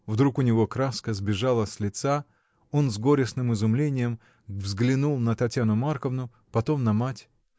Вдруг у него краска сбежала с лица — он с горестным изумлением взглянул на Татьяну Марковну, потом на мать.